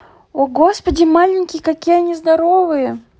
о господи маленький какие они здоровые